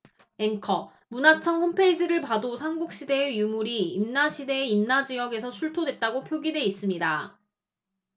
앵커 문화청 홈페이지를 봐도 삼국시대의 유물이 임나시대에 임나지역에서 출토됐다고 표기돼 있습니다